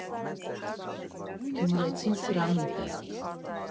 «Գյումրեցին սրամիտ է»